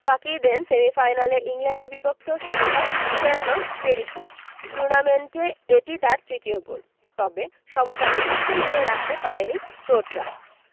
ফাঁকি দেন সেমিফাইনালে ইংল্যান্ডের বিপক্ষেও সমতা ফেরানো পেরিসিচ টুর্নামেন্টে এটি তার তৃতীয় গোল তবে সমতা বেশিক্ষণ ধরে রাখতে পারেনি ক্রোটরা